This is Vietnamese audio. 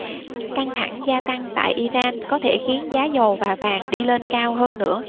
căng thẳng gia tăng tại iran có thể khiến giá dầu và vàng đi lên cao hơn nữa